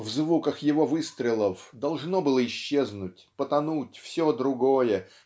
в звуках его выстрелов должно было исчезнуть потонуть все другое